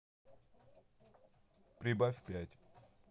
прибавь пять